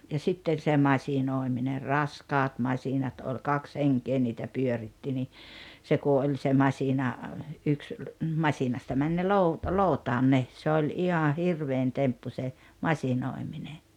ja sitten se masinoiminen raskaat masiinat oli kaksi henkeä niitä pyöritti niin se kun oli se masiina yksi masiinasta meni ne - lootaan ne se oli ihan hirvein temppu se masinoiminen